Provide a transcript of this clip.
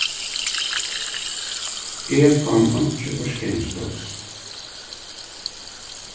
eg fann einki parkeringspláss